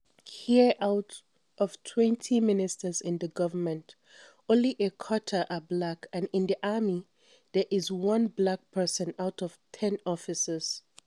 Here, out of twenty ministers in the government, only a quarter are black and in the army, there is only one black person out of ten officers.